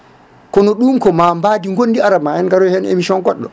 kono ɗum ko mbadi gondi ara ma en garoy hen e émission goɗɗo